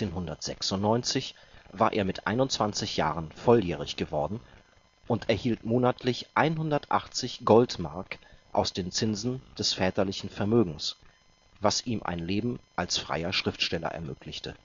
1896 war er mit 21 Jahren volljährig geworden und erhielt monatlich 180 Goldmark aus den Zinsen des väterlichen Vermögens, was ihm ein Leben als freier Schriftsteller ermöglichte